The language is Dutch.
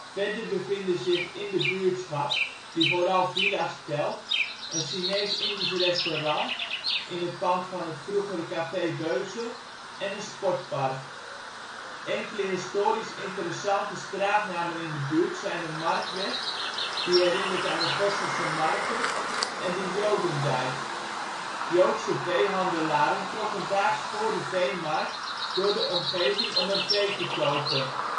Verder bevinden zich in de buurtschap, die vooral villa’ s telt, een Chinees-Indisch restaurant (in het pand van het vroegere café Beuse) en een sportpark. Enkele historisch interessante straatnamen in de buurt zijn de Markweg, die herinnert aan de Gorsselse marke, en de Jodendijk. Joodse veehandelaren trokken daags vóór de veemarkt door de omgeving om er vee te kopen